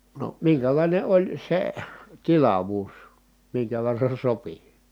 no minkälainen oli se tilavuus minkä verran sopi